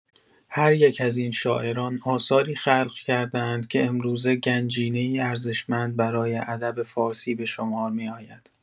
هر یک از این شاعران، آثاری خلق کرده‌اند که امروزه گنجینه‌ای ارزشمند برای ادب فارسی به شمار می‌آید.